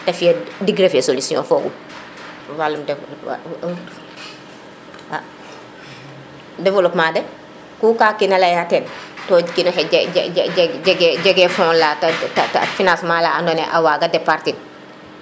o fiyo dik re e solution fogum walum ndox fe developpement ne ku ka kina leya ten to kino xe jege jege fond la ta ta financement la ando naye a waga départ in